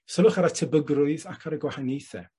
Sylwch ar y tebygrwydd ac ar y gwahaniaethe.